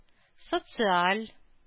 Социаль